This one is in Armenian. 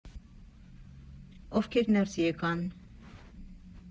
Ովքեր ներս եկան։